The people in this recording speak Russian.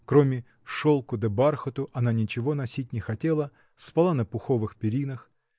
кроме шелку да бархату она ничего носить не хотела, спала на пуховых перинах.